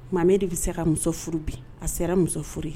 Maamɛ de bɛ se ka muso furu bi a sera muso furu